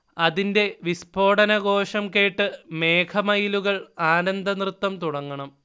അതിന്റെ വിസ്ഫോടനഘോഷം കേട്ട് മേഘമയിലുകൾ ആനന്ദനൃത്തം തുടങ്ങണം